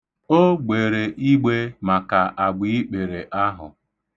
O gbere igbe maka agbiikpere ahụ.